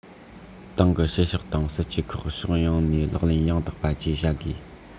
ཏང གི བྱེད ཕྱོགས དང སྲིད ཇུས ཁག ཕྱོགས ཡོངས ནས ལག ལེན ཡང དག པ བཅས བྱ དགོས